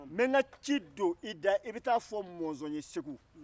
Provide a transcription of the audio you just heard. n bɛ n ka ci don i da i bɛ taa a fɔ monzɔn ye segu